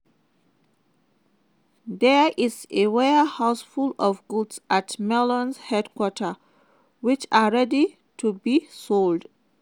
There is a warehouse full of goods at the Marlow HQ which are ready to be sold."